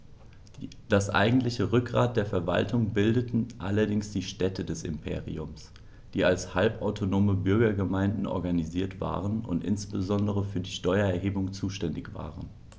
Das eigentliche Rückgrat der Verwaltung bildeten allerdings die Städte des Imperiums, die als halbautonome Bürgergemeinden organisiert waren und insbesondere für die Steuererhebung zuständig waren.